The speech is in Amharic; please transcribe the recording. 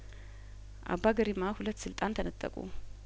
አባ ገሪማ ሁለት ስልጣን ተነጠቁ